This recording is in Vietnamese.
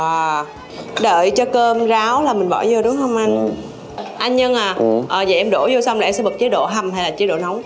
oa đợi cho cơm ráo là mình bỏ vô đúng hông anh anh nhân à ờ vậy em đổ vô xong là em sẽ bật chế độ hầm hay chế độ nóng